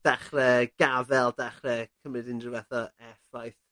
dechre gafel dechre cymyd unryw fath o effaith